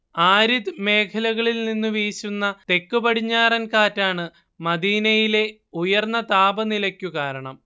arid മേഖലകളിൽ നിന്നു വീശുന്ന തെക്കുപടിഞ്ഞാറൻ കാറ്റാണ് മദീനയിലെ ഉയർന്ന താപനിലയ്ക്കു കാരണം